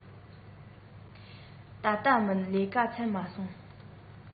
ད ལྟ མིན ལས ཀ ཚར མ སོང